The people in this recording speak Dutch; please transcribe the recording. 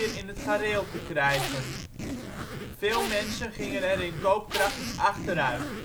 in het gareel te krijgen. Veel mensen gingen er in koopkracht op achteruit